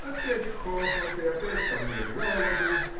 Опять хохот, и опять ко мне жалобы.